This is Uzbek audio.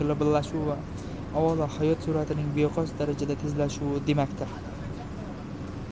globallashuv bu avvalo hayot sur'atining beqiyos darajada tezlashuvi demakdir